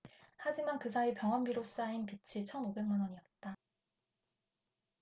하지만 그 사이 병원비로 쌓인 빚이 천 오백 만원이었다